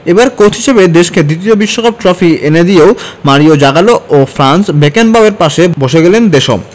এবার কোচ হিসেবে দেশকে দ্বিতীয় বিশ্বকাপ ট্রফি এনে দিয়েঅ মারিও জাগালো ও ফ্রাঞ্জ বেকেনবাওয়ারের পাশে বসে গেলেন দেশম